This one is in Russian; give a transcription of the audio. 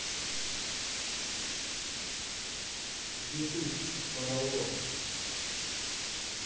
ютуб пороло